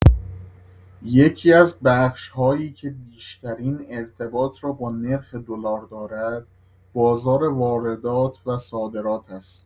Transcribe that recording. یکی‌از بخش‌هایی که بیشترین ارتباط را با نرخ دلار دارد، بازار واردات و صادرات است.